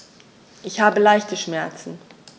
Ich habe leichte Schmerzen.